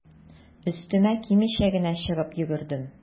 Өстемә кимичә генә чыгып йөгердем.